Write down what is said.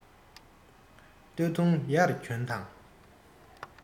སྟོད འཐུང ཡར གྱོན དང